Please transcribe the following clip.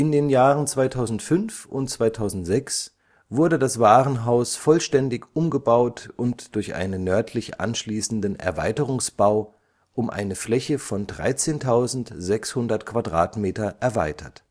den Jahren 2005 und 2006 wurde das Warenhaus vollständig umgebaut und durch einen nördlich anschließenden Erweiterungsbau um eine Fläche von 13.600 m² erweitert